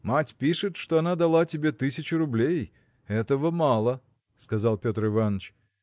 – Мать пишет, что она дала тебе тысячу рублей этого мало, – сказал Петр Иваныч.